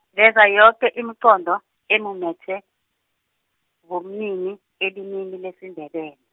veza yoke imiqondo, emumethwe, -ngo bumnini, elimini Lesindebele.